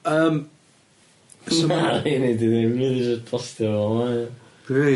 Yym so... Na mi wneu di ddim mynd i jyst postio fel mae 'i.